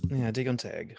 Ie digon teg.